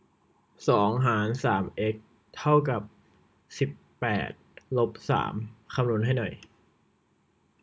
สองหารสามเอ็กซ์เท่ากับสิบแปดลบสามคำนวณให้หน่อย